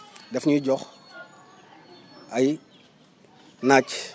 daf ñuy jox ay naaj